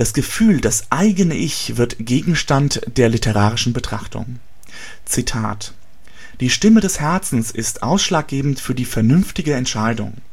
Gefühl, das eigene Ich, wird Gegenstand der literarischen Betrachtung. „ Die Stimme des Herzens ist ausschlaggebend für die vernünftige Entscheidung